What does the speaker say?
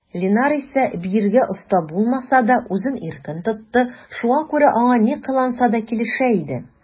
Линар исә, биергә оста булмаса да, үзен иркен тотты, шуңа күрә аңа ни кыланса да килешә иде.